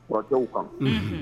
Kɔrɔkɛw kan